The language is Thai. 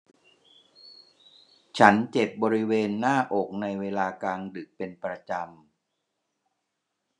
ฉันเจ็บบริเวณหน้าอกในเวลากลางดึกเป็นประจำ